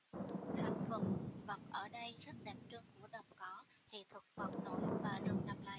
thảm thực vật ở đây rất đặc trưng của đồng cỏ hệ thực vật nổi và rừng đầm lầy